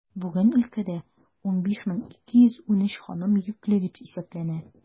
Бүген өлкәдә 15213 ханым йөкле дип исәпләнә.